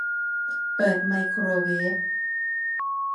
เปิดไมโครเวฟ